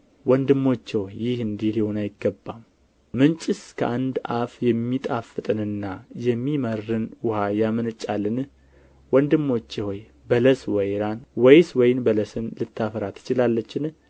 ወንድሞቼ ሆይ ይህ እንዲህ ሊሆን አይገባም ምንጭስ ከአንድ አፍ የሚጣፍጥንና የሚመርን ውኃ ያመነጫልን ወንድሞቼ ሆይ በለስ ወይራን ወይስ ወይን በለስን ልታፈራ ትችላለችን